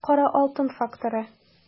Кара алтын факторы